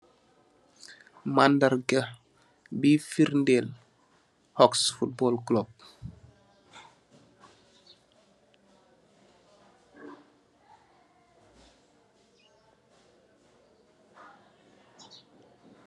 Mandarga búy fridel Hawks Football club.